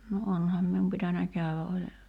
no onhan minun pitänyt käydä oli